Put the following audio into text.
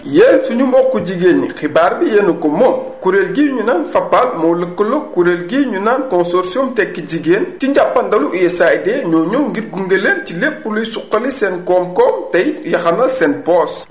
yéen sunu mbokki jigéen ñi xibaar bi yéen a ko moom kuréel gii ñu naan Fapal moo lëkkaloog kuréel gii ñu naan consortium tekki jigéen ci njàppanadalu USAID ñoo ñëw ngir gunge leen ci lépp luy suqali seen koom-koom te it yaqanal seen poche